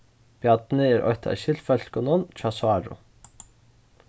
bjarni er eitt av skyldfólkunum hjá sáru